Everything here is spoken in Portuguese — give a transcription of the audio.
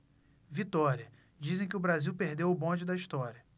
vitória dizem que o brasil perdeu o bonde da história